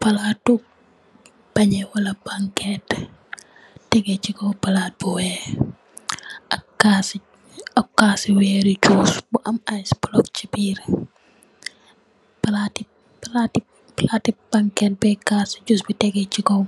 Palatu benex wala panket tege si kaw palat bu weex ak yu cassi cassi weer bu juice bu am ice block si birr palati palati panket bi cass si juice bi tege si kaw